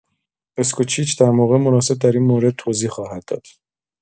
اسکوچیچ در موقع مناسب در این مورد توضیح خواهد داد.